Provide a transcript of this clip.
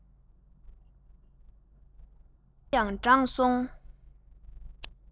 གྲོད པ ཡང འགྲངས སོང